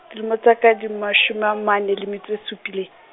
dilemo tsa ka di ma shome a mane le metso e supileng.